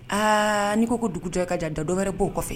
Aa ni ko ko dugu dɔ ka jan ja dɔwɛrɛ bo kɔfɛ.